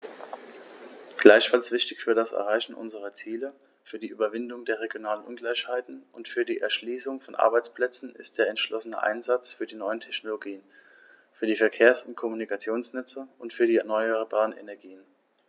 Gleichfalls wichtig für das Erreichen unserer Ziele, für die Überwindung der regionalen Ungleichheiten und für die Erschließung von Arbeitsplätzen ist der entschlossene Einsatz für die neuen Technologien, für die Verkehrs- und Kommunikationsnetze und für die erneuerbaren Energien.